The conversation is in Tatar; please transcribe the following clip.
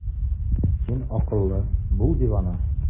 Син акыллы, бул дивана!